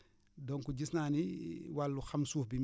donc gis naa ni wàllu xam suuf bi